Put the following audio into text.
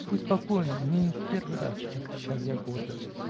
-- Будь покоен: мне не в первый раз, -- отвечал я гордо.